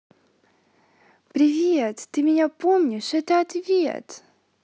привет ты меня помнишь это ответ